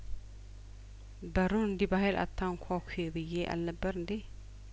በሩን እንዲህ በሀይል አታንኳኲ ብዬ አልነበር እንዴ